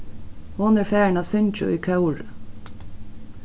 hon er farin at syngja í kóri